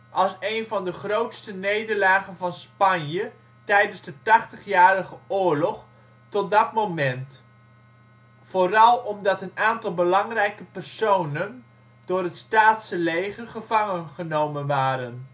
als een van de grootste nederlagen van Spanje tijdens de Tachtigjarige Oorlog tot dat moment, vooral omdat een aantal belangrijke personen door het Staatse leger gevangengenomen waren